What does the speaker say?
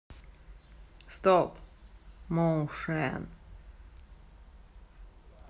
стоп моушен